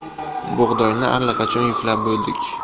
bug'doyni allaqachon yuklab bo'ldik